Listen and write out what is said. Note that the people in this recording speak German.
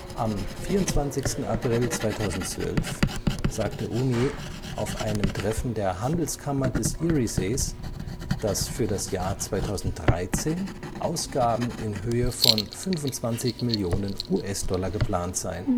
Am 24. April 2012 sagte Ouimet auf einem Treffen der Handelskammer des Eriesees, dass für das Jahr 2013 Ausgaben in Höhe von 25 Millionen US-Dollar geplant seien